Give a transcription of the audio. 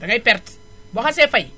dangay perte boo xase fay